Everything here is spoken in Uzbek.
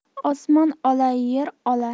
osmon ola yer ola